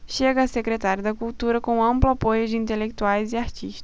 chega a secretário da cultura com amplo apoio de intelectuais e artistas